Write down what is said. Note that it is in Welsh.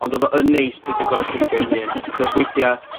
Ond odd o yn neis peidio gor'o' cwcio i'n hin, achos weithia...